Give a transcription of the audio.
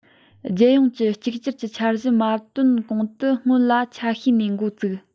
རྒྱལ ཡོངས ཀྱི གཅིག གྱུར གྱི འཆར གཞི མ བཏོན གོང དུ སྔོན ལ ཆ ཤས ནས འགོ བཙུགས